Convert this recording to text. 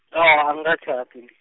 awa anga -tjhadi .